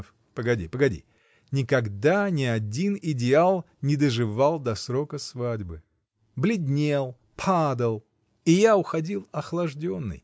— Погоди, погоди: никогда ни один идеал не доживал до срока свадьбы: бледнел, падал, и я уходил охлажденный.